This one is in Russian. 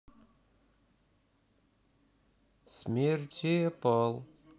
смерть apple